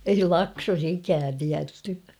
ei Laksossa ikään tiedetty